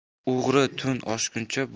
o'g'ri tun oshguncha